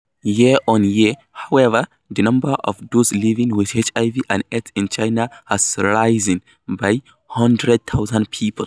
Year-on-year, however, the number of those living with HIV and Aids in China has risen by 100,000 people.